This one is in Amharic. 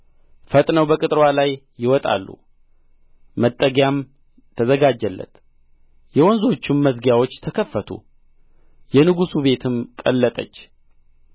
ፈጥነው በቅጥርዋ ላይ ይወጣሉ መጠጊያም ተዘጋጀለት የወንዞቹም መዝጊያዎች ተከፈቱ የንጉሡ ቤትም ቀለጠች